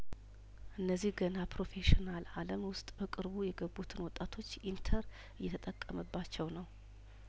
እነዚህ ገና ፕሮፌሽናል አለም ውስጥ በቅርቡ የገቡትን ወጣቶች ኢንተር እየተጠቀመባቸው ነው